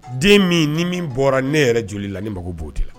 Den min ni min bɔra ne yɛrɛ joli la ni mago b'o de la